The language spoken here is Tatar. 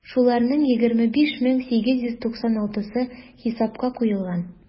Шуларның 25 мең 896-сы хисапка куелган.